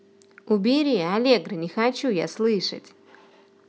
убери аллегро не хочу я слышать